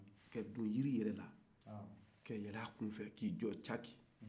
ka don jiri yɛrɛ la ka yɛlɛ a kun fɛ k'i jɔ kaki